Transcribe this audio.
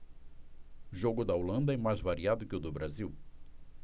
jogo da holanda é mais variado que o do brasil